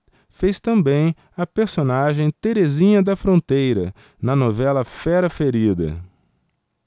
fez também a personagem terezinha da fronteira na novela fera ferida